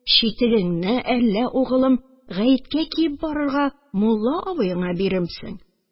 Читегеңне, әллә, угылым, гаеткә киеп барырга мулла абыеңа бирәмсең